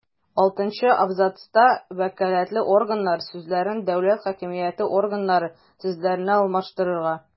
Алтынчы абзацта «вәкаләтле органнар» сүзләрен «дәүләт хакимияте органнары» сүзләренә алмаштырырга;